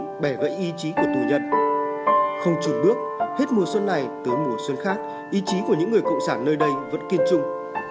bẻ gãy ý chí của tù nhân không chùn bước hết mùa xuân này tới mùa xuân khác ý chí của những người cộng sản nơi đây vẫn kiên trung